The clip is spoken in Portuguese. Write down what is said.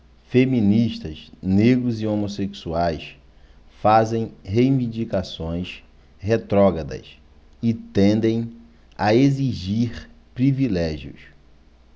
feministas negros e homossexuais fazem reivindicações retrógradas e tendem a exigir privilégios